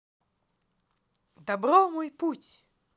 dabro мой путь